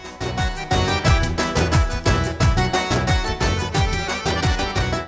music